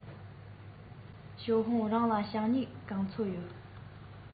ཞའོ ཧུང རང ལ ཞྭ སྨྱུག ག ཚོད ཡོད